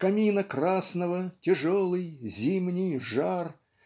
Камина красною тяжелый, зимний жар.